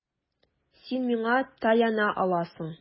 Син миңа таяна аласың.